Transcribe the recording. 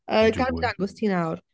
Yy gad i mi dangos i ti nawr.